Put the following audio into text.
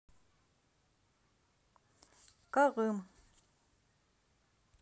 калым